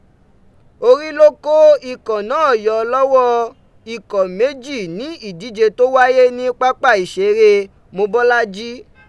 Ori lo ko ikọ̀ náà yọ lọwọ ikọ̀ méjì ni idije to waye ni papa iṣire Mobọ́lájí.